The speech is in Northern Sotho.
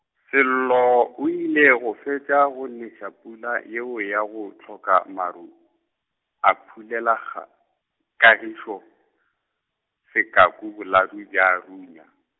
Sello o ile go fetša, go neša pula yeo ya go hloka maru, a phulela kga-, Kagišo, sekaku boladu bja runya.